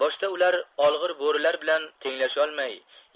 boshda ular olg'ir bo'rilar bilan tenglasholmay